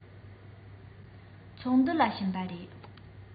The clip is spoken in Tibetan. ཚོགས འདུལ ལ ཕྱིན པ རེད